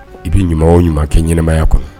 I bɛ ɲuman ɲuman kɛ ɲɛnaɛnɛmaya kɔnɔ